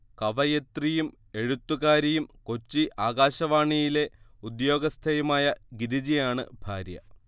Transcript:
കവയിത്രിയും എഴുത്തുകാരിയും കൊച്ചി ആകാശവാണിയിലെ ഉദ്യോഗസ്ഥയുമായ ഗിരിജയാണ് ഭാര്യ